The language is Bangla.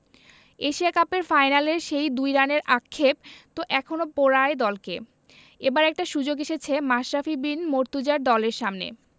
এশিয়া কাপের ফাইনালের সেই ২ রানের আক্ষেপ তো এখনো পোড়ায় দলকে এবার একটা সুযোগ এসেছে মাশরাফি বিন মুর্তজার দলের সামনে